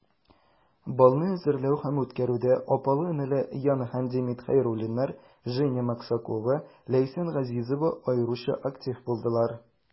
Балны әзерләү һәм үткәрүдә апалы-энеле Яна һәм Демид Хәйруллиннар, Женя Максакова, Ләйсән Газизова аеруча актив булдылар.